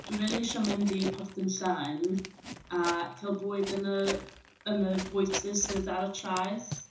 Dwi rili isio mynd i Porth Dinllaen a cael bwyd yn y, yn yr bwyty sydd ar y traeth.